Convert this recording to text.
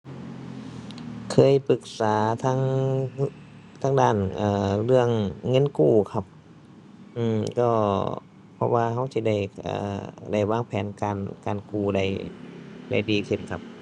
เคยปรึกษาทาง ทางด้าน เอ่อ เรื่องเงินกู้ครับ อืม ก็เพราะว่าเราสิได้ อ่า ได้วางแผนการ การกู้ได้ ได้ดีขึ้นครับ